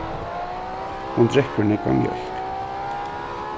hon drekkur nógva mjólk